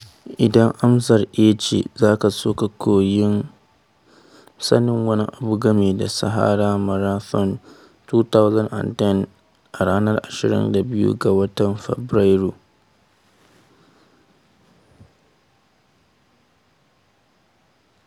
Idan amsar 'eh' ce, zaka ka so koyon sanin wani abu game da Sahara Marathon 2010 a ranar 22 ga watan Fabrairu.